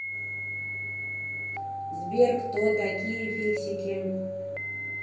сбер кто такие фиксики